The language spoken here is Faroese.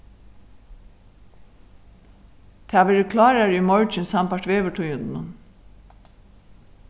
tað verður klárari í morgin sambært veðurtíðindunum